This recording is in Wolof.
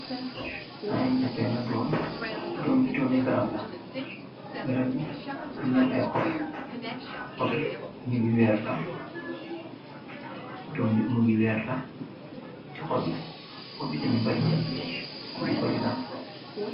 Maangy gis benah dorm, dorm ju torlu ni garab la, garab bii mingui amm aiiy hohbb, hohbb yii njungy vertah, dorm bi mungy vertah chi hohbb yii, hohbb yii tamit bari, hohbb yu bari la.